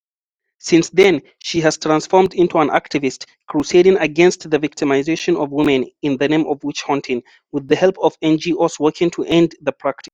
Since then, she has transformed into an activist crusading against the victimization of women in the name of witch-hunting with the help of NGOs working to end the practice.